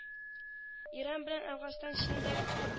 Иран белән әфганстан чигендәге күл